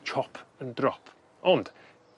chop and drop ond